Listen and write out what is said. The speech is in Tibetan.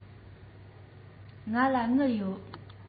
ང ལ དངུལ ཡོད